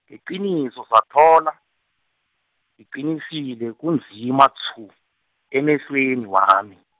ngeqiniso sathola, ngiqinisile kunzima tshu, emehlweni wami.